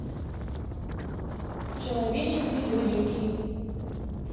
человечек зелененький